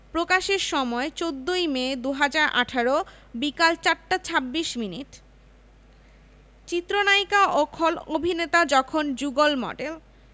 প্রকাশের সময় ১৪মে ২০১৮ বিকেল ৪টা ২৬ মিনিট চিত্রনায়িকা ও খল অভিনেতা যখন যুগল মডেল